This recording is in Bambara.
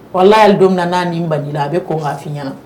Wala yaale don min na n'a nin bali a bɛ ko kafin ɲɛna